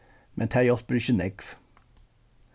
men tað hjálpir ikki nógv